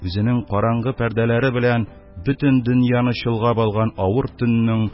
Үзенең караңгы пәрдәләре белән бөтен дөньяны чолгап алган авыр төннең